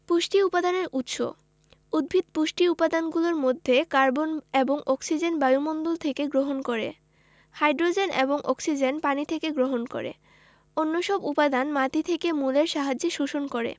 উদ্ভিদ পুষ্টি উপাদানগুলোর মধ্যে কার্বন এবং অক্সিজেন বায়ুমণ্ডল থেকে গ্রহণ করে হাই্ড্রোজেন এবং অক্সিজেন পানি থেকে গ্রহণ করে অন্যসব উপাদান মাটি থেকে মূলের সাহায্যে শোষণ করে